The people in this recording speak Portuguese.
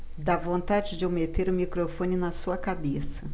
dá vontade de eu meter o microfone na sua cabeça